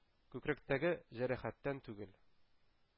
Күкрәктәге җәрәхәттән түгел,